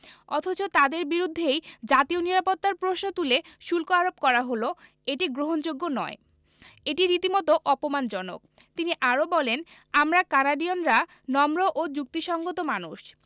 অথচ তাঁদের বিরুদ্ধেই জাতীয় নিরাপত্তার প্রশ্ন তুলে শুল্ক আরোপ করা হলো এটি গ্রহণযোগ্য নয় এটি রীতিমতো অপমানজনক তিনি আরও বলেন আমরা কানাডীয়নরা নম্র ও যুক্তিসংগত মানুষ